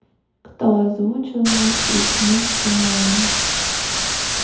кто озвучивал из мультика моаны